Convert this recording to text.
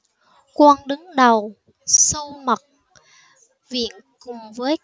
quan đứng đầu xu mật viện cùng với